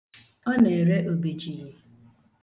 Ọ na-ere obejiri.